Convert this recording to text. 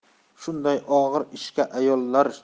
shunday og'ir ishga ayollar